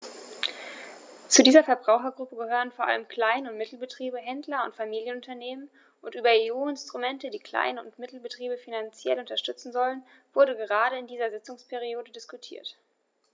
Zu dieser Verbrauchergruppe gehören vor allem Klein- und Mittelbetriebe, Händler und Familienunternehmen, und über EU-Instrumente, die Klein- und Mittelbetriebe finanziell unterstützen sollen, wurde gerade in dieser Sitzungsperiode diskutiert.